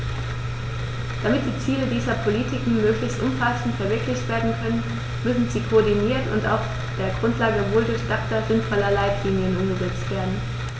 Damit die Ziele dieser Politiken möglichst umfassend verwirklicht werden können, müssen sie koordiniert und auf der Grundlage wohldurchdachter, sinnvoller Leitlinien umgesetzt werden.